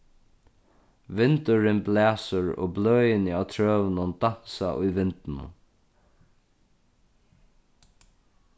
vindurin blæsur og bløðini á trøunum dansa í vindinum